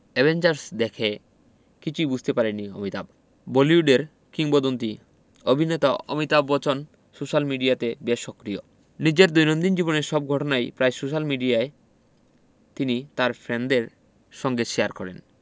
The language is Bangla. অ্যাভেঞ্জার্স দেখে কিছুই বুঝতে পারেননি অমিতাভ বলিউডের কিংবদন্তী অভিনেতা অমিতাভ বচ্চন সোশ্যাল মিডিয়াতে বেশ সক্রিয় নিজের দৈনন্দিন জীবনের সব ঘটনাই প্রায় সোশ্যাল মিডিয়ায় তিনি তার ফ্যানদের সঙ্গে শেয়ার করেন